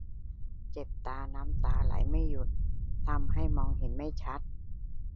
เจ็บตาน้ำตาไหลไม่หยุดทำให้มองเห็นไม่ชัด